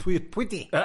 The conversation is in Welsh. Pwy, pwy di?